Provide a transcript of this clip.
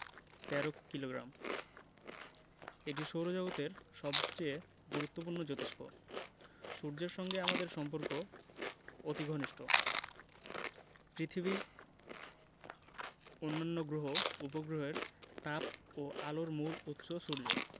১৩ kilogram এটি সৌরজগতের সবচেয়ে গুরুত্বপূর্ণ জোতিষ্ক সূর্যের সঙ্গে আমাদের সম্পর্ক অতি ঘনিষ্ট পৃথিবী অন্যান্য গ্রহ উপগ্রহের তাপ ও আলোর মূল উৎস সূর্য